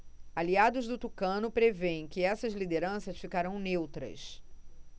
aliados do tucano prevêem que essas lideranças ficarão neutras